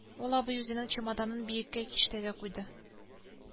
Ул абый үзенең чемоданын биеккә киштәгә куйды